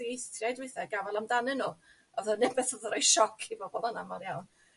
dieithriaid weitha' a gafal amdanyn nhw, odd o'n beth odd yn roi sioc i bobol yn amal iawn.